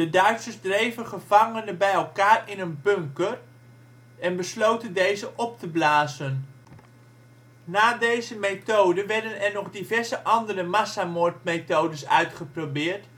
Duitsers dreven gevangenen bij elkaar in een bunker en besloten deze op te blazen. Na deze methode werden er nog diverse andere massamoordmethodes uitgeprobeerd